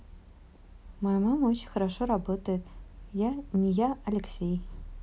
моя мама очень хорошо работает я не я алексей